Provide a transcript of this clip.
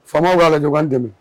Faamaw'la ɲɔgɔn dɛmɛ